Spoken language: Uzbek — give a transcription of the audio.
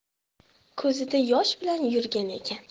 ko'zida yosh bilan yurgan ekan